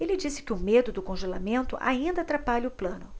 ele disse que o medo do congelamento ainda atrapalha o plano